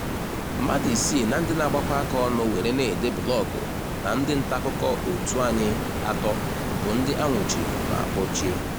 Mmadụ isii na ndị na-agbakọ aka ọnụ were na-ede blọọgụ na ndị nta akụkọ òtù anyị atọ bụ ndị anwụchiri ma kpọchie.